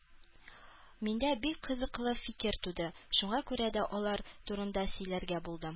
Миндә бик кызыклы фикер туды, шуңа күрә дә алар турында сөйләргә булдым